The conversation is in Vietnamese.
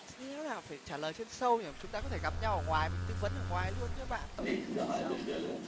thế đéo nào phải trả lời trên sâu nhỉ chúng ta có thể gặp nhau ở ngoài mình tư vấn ở ngoài luôn cho bạn tội gì phải lên sâu